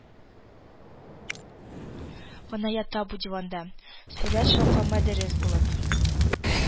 Гына ята бу диванда… «сурәт шаукымы» дөрес булып